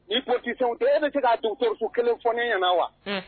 Ni ko tɛ e bɛ se k' du so kelen fɔ ne ɲɛna wa